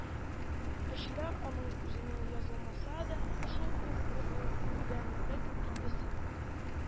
Эшләр, аның үзенә язылмаса да, шул ук өлгергәнлек билгесе